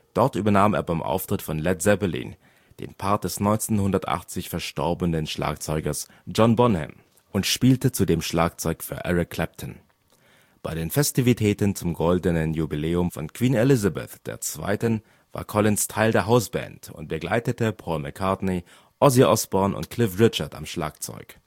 Dort übernahm er beim Auftritt von Led Zeppelin den Part des 1980 verstorbenen Schlagzeugers John Bonham und spielte zudem Schlagzeug für Eric Clapton. Bei den Festivitäten zum Goldenen Jubiläum von Queen Elizabeth II. war Collins Teil der „ Hausband “und begleitete Paul McCartney, Ozzy Osbourne und Cliff Richard am Schlagzeug